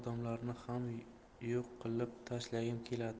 ham yo'q qilib tashlagim keladi